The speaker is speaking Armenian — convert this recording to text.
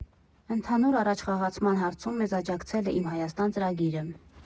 Ընդհանուր առաջխաղացման հարցում մեզ աջակցել է «Իմ Հայաստան» ծրագիրը։